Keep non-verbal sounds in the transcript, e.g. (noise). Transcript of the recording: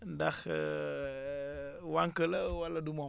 ndax (hesitation) wànq la wala du moom